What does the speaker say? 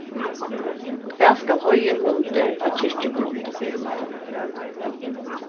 hvat skal heiðin hundur á kirkjugrund